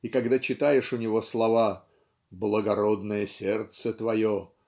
И когда читаешь у него слова "благородное сердце твое